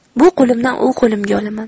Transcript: bu qo'limdan u qo'limga olaman